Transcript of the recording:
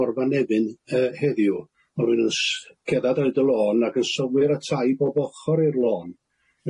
Morfa Nefyn yy heddiw ma' rwun yn s- cerddad ar 'yd y lôn ac yn sylwi'r y tai bob ochor i'r lôn.